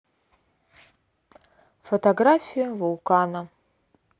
фотография в вулкана